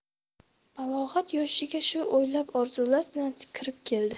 balog'at yoshiga shu o'ylar orzular bilan kirib keldi